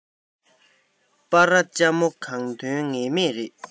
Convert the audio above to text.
སྤ ར ལྕ མོ གང ཐོན ངེས མེད རེད